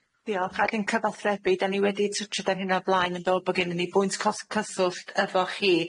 Diolch, ac yn cyfathrebu, 'dan ni wedi twtshed ar hyn o blaen yn do, bo' gennyn ni bwynt cos- cyswllt efo chi